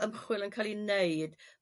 ymchwil yn ca'l 'i neud